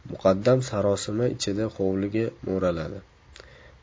muqaddam sarosima ichida hovliga mo'raladi